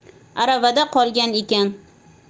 aravada qolgan ekan